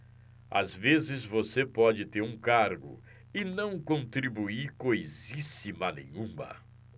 às vezes você pode ter um cargo e não contribuir coisíssima nenhuma